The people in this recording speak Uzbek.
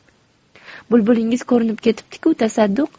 bulbulingiz ko'rinib ketdi ku tasadduq